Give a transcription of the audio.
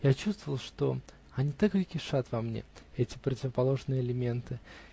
Я чувствовал, что они так и кишат во мне, эти противоположные элементы.